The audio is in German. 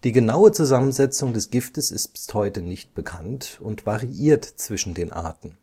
genaue Zusammensetzung des Giftes ist bis heute nicht bekannt und variiert zwischen den Arten